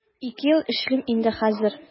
Ике ел эшлим инде хәзер.